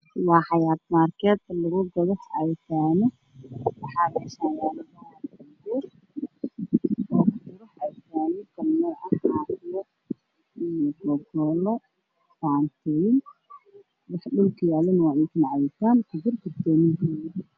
Waa sabarmaarke waxaa lagu gadaa cabitaanno waxaa yaalo filanjeero waxaa ku jira cabitaanno buluu guduud